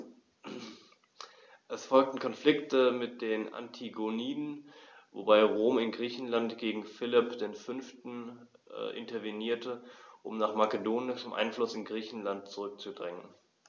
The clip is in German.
Es folgten Konflikte mit den Antigoniden, wobei Rom in Griechenland gegen Philipp V. intervenierte, um den makedonischen Einfluss in Griechenland zurückzudrängen.